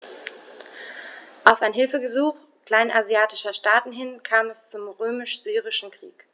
Auf ein Hilfegesuch kleinasiatischer Staaten hin kam es zum Römisch-Syrischen Krieg.